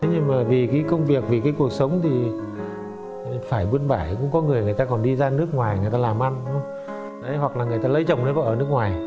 thế nhưng mà vì cái công việc vì cái cuộc sống thì phải bươn bải cũng có người người ta còn đi ra nước ngoài người ta làm ăn hoặc là người ta lấy chồng lấy vợ ở nước ngoài